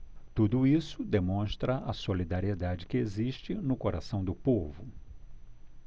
tudo isso demonstra a solidariedade que existe no coração do povo